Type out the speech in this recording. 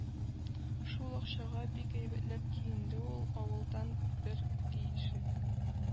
Шул акчага бик әйбәтләп киенде ул (авылдан бер тишек